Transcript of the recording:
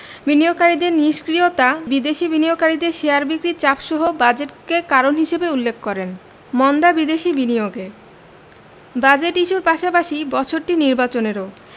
বিনিয়োগকারীদের নিষ্ক্রিয়তা বিদেশি বিনিয়োগকারীদের শেয়ার বিক্রির চাপসহ বাজেটকে কারণ হিসেবে উল্লেখ করেন মন্দা বিদেশি বিনিয়োগে বাজেট ইস্যুর পাশাপাশি বছরটি নির্বাচনেরও